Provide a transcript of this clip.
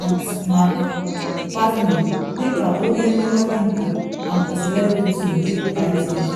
Ant McPartlin dị ka onye nlekọta nke I’m A Celebrity nke ITV.